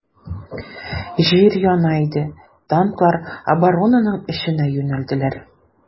Җир яна иде, танклар оборонаның эченә юнәлделәр.